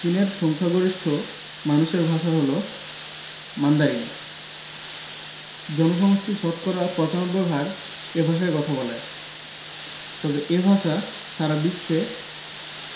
চীনের সংখ্যাগরিষ্ঠ মানুষের ভাষা হলো মান্দারিন জনসমষ্টির শতকরা ৯৫ ভাগ এ ভাষায় কথা বলে তবে এ ভাষা সারা বিশ্বে